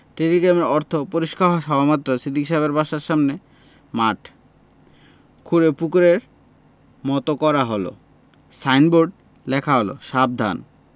টেলিগ্রামের অর্থ পরিষ্কার হওয়ামাত্র সিদ্দিক সাহেবের বাসার সামনের মাঠ খুঁড়ে পুকুরের মৃত করা হল সাইনবোর্ডে লেখা হল সাবধান